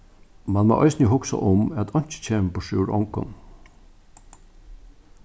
mann má eisini hugsa um at einki kemur burtur úr ongum